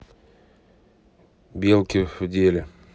белки в деле